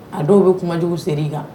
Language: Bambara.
A dɔw be kumajugu ser'i kan